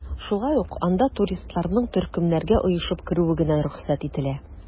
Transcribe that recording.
Шулай ук анда туристларның төркемнәргә оешып керүе генә рөхсәт ителә.